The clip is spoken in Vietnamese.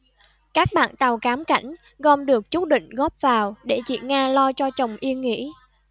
các bạn tàu cám cảnh gom được chút đỉnh góp vào để chị nga lo cho chồng yên nghỉ